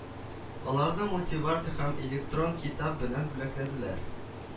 Аларны мультиварка һәм электрон китап белән бүләкләделәр